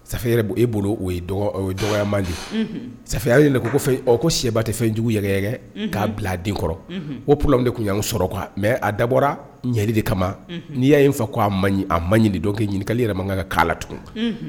Sa yɛrɛ b e bolo o dɔgɔya man di saya yɛrɛ ko ko sɛba tɛ fɛnjugu yɛrɛgɛn k'a bila a den kɔrɔ o pla de tun yan sɔrɔ mɛ a dabɔra ɲali de kama n'i y'a fa ko a a ma ɲini dɔn kɛ ɲininkakali yɛrɛ man kan ka kaana tugun